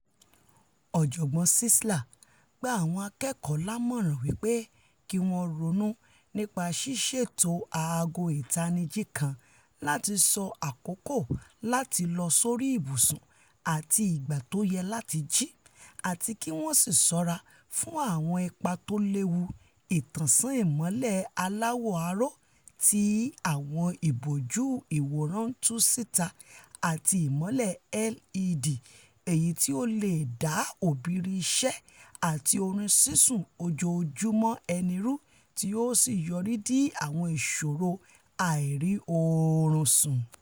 Ọ̀jọ̀gbọ́n Czeisler gba àwọn akẹ́kọ̀ọ́ lámọ̀ràn wí pé ki wọ́n ronú nipa ṣíṣètò aago ìtanijí kan láti sọ àkókò láti lọ sórí ibùsùn, àti ìgbà tóyẹ láti jí, àti kí wọn sì sọ́ra fun àwọn ipa tóléwuto 'ìtànsán ìmọlẹ̀ aláwọ̀ aró' tí àwọn ìbòjù ìwòran ńtú síta àti ìmọ́lẹ̀ LED, èyití o leè da òbìrí iṣẹ́ àti oorun sísùn ojoójúmọ ẹni ru, tí yóò sì yọrídí àwọn ìṣòro àìrí-oorun sùn.